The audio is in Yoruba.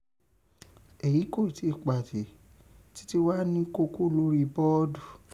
Eyi koiti Pati titi waa ni koko Lori boodu.